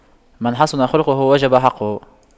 من حسن خُلقُه وجب حقُّه